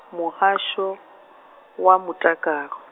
Muhasho, wa Mutakalo.